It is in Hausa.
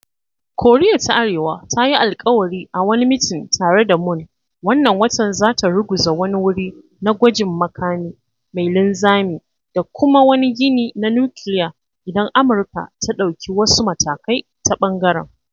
Koriya ta Arewa ta yi alkawari a wani mitin tare da Moon wannan watan za ta ruguza wani wuri na gwajin makami mai linzami da kuma wani gini na nukiliya idan Amurka ta ɗauki “wasu matakai ta ɓangaren.”